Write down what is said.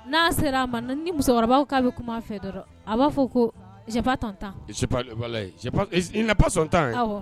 N'a sera a ma ni musokɔrɔba k'a bɛ kuma fɛ dɔrɔn a b'a fɔ ko tan tan